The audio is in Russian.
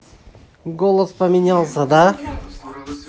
голос поменялся да